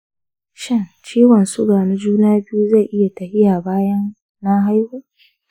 shin ciwon suga na juna biyu zai tafi bayan na haihu?